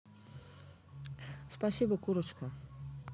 спасибо курочка